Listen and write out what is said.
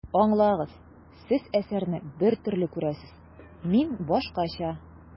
Аңлагыз, Сез әсәрне бер төрле күрәсез, мин башкача.